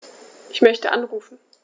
Ich möchte anrufen.